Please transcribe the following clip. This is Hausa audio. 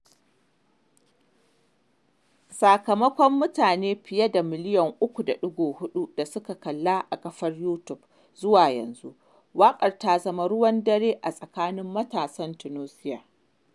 Sakamakon mutane fiye da miliyan 3.4 da suka kalla a kafar YouTube zuwa yanzu, waƙar ta zama ruwan dare a tsakanin matasan Tunusia.